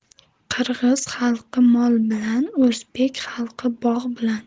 qirg'iz xalqi mol bilan o'zbek xalqi bog' bilan